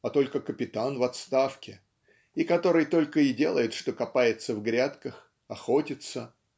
а только капитан в отставке и который только и делает что копается в грядках охотится